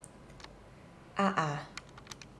ཨ ཨ